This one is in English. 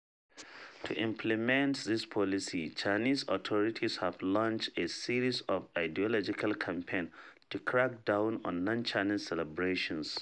To implement this policy, Chinese authorities have launched a series of ideological campaigns to crack down on non-Chinese celebrations.